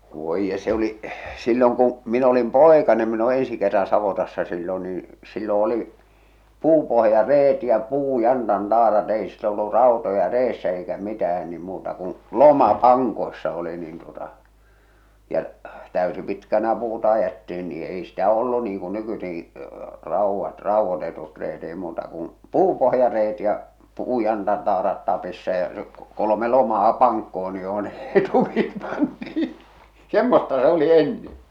voi jee se oli silloin kun minä olin poikanen minä olen ensi kerran savotassa silloin niin silloin oli puupohjareet ja puujantantaarat ei silloin ollut rautoja reessä eikä mitään niin muuta kun loma pankoissa oli niin tuota ja täysipitkänä puuta ajettiin niin ei sitä ollut niin kuin nykyisinkin raudat raudoitetut reet ei muuta kuin puupohjareet ja puujantantaarat tapissa ja se kolme lomaa pankkoon niin jossa ne ei tukit pysy siinä semmoista se oli ennen